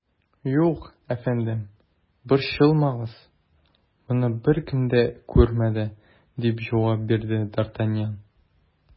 Юк, әфәндем, борчылмагыз, моны беркем дә күрмәде, - дип җавап бирде д ’ Артаньян.